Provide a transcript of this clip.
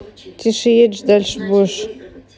тише едешь дальше будешь